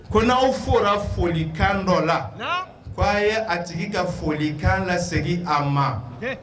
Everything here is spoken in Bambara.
Koaw fɔra foli kan dɔ la k ko' aa ye a tigi ka folikan lase segin a ma